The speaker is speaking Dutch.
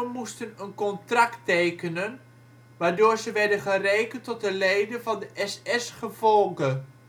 moesten een contract tekenen, waardoor ze werden gerekend tot de leden van de SS-Gefolge. Ze stonden